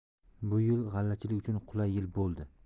bu yil g'allachilik uchun qulay yil bo'ldi